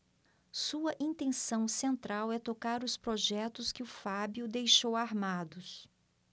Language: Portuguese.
sua intenção central é tocar os projetos que o fábio deixou armados